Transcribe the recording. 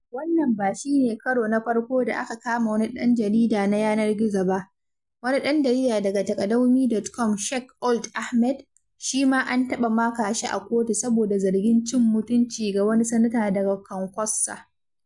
Wannan ba shi ne karo na farko da aka kama wani ɗan jarida na yanar gizo ba; wani ɗan jarida daga Taqadoumy.com, Cheikh Ould Ahmed, shi ma an taɓa maka shi a kotu saboda zargin cin mutunci ga wani Sanata daga Kankossa.